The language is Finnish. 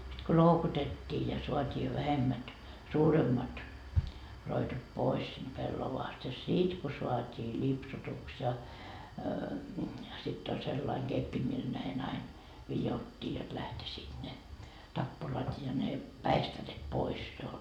sitten kun loukutettiin ja saatiin jo vähemmät suuremmat roitot pois siitä pellavasta ja sitten kun saatiin lipsutuksi ja sitten oli sellainen keppi millä näin aina vidottiin jotta lähtisivät ne tappurat ja ne päistäret pois jo